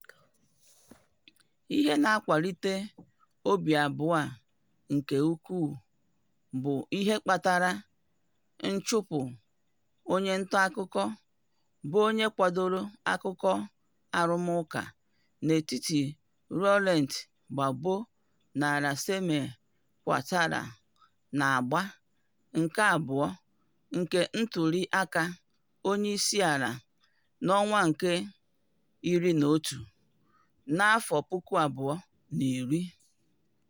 Ihe na-akwalite obi abụọ a nke ukwuu bụ ihe kpatara nchụpụ onye ntaakụkọ bụ onye kwadoro akụkọ arụmụka n'etiti Laurent Gbagbo na Alassane Ouattara n'agba nke abụọ nke ntuliaka onyeisiala na Nọvemba 2010.